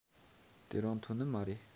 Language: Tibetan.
དེ རིང ཐོན ནི མ རེད